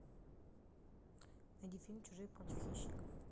найди фильм чужие против хищников